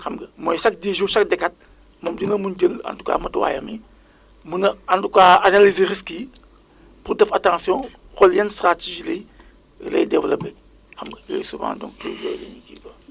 xam nga mooy chaque 10 jours chaque décate moom dina mun jël en tout cas matuwaayam yi mun a en tout cas analyser risque yi pour def attention xool yan stratégies lay lay développer xam nga yooyu souvent donc ñun yooyu la ñuy kii quoi